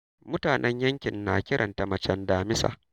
Mutanen yankin na kiranta "macen damisa".